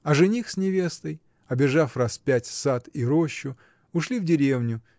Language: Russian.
А жених с невестой, обежав раз пять сад и рощу, ушли в деревню.